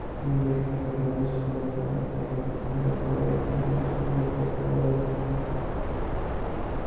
shuningdek kasallanish holatlari tailand singapur va yaponiyada ham ro'yxatga olindi